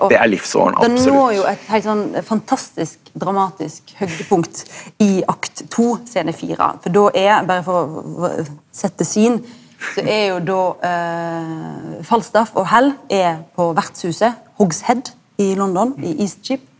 den når jo eit heilt sånn fantastisk dramatisk høgdepunkt i akt to scene fire for da er berre for å så er jo då Falstaff og Hal er på vertshuset i London i Eastcheap.